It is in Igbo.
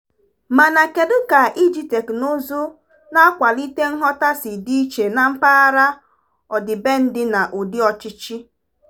Mana kedu ka iji teknụzụ na-akwalite nghọta si dị iche na mpaghara, ọdịbendị na ụdị ọchịchị?